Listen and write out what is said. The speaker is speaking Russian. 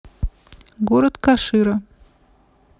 город кашира